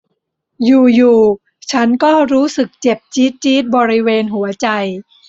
อยู่อยู่ฉันก็รู้สึกเจ็บจี๊ดจี๊ดบริเวณหัวใจ